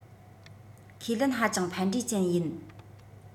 ཁས ལེན ཧ ཅང ཕན འབྲས ཅན ཡིན